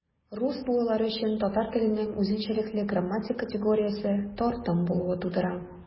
Рус балалары өчен татар теленең үзенчәлекле грамматик категориясе - тартым булуы тудыра.